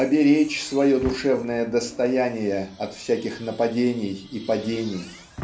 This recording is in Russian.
оберечь свое душевное достояние от всяких нападений и падений.